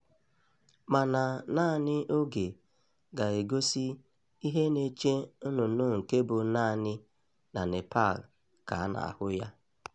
Mana naanị oge ga-egosi ihe na-eche nnụnụ nke bụ naanị na Nepal ka a na-ahụ ya.